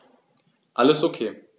Alles OK.